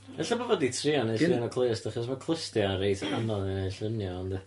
Ella bo' fo 'di trio neud llun o clust achos ma' clustia reit anodd i neud llunia' yndi?